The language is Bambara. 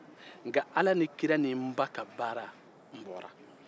nka ala ni kira ni ba ka baara n bɔra